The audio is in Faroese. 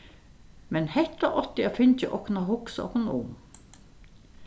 men hetta átti at fingið okkum at hugsað okkum um